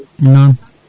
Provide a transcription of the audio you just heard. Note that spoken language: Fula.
noon